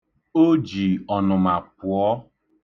O ji ọnụma pụọ.